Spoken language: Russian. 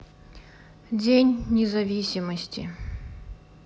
день независимости